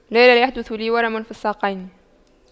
لا لا يحدث لي ورم في الساقين